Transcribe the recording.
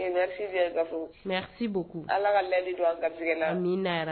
Ga ala ka la don a gasɛ na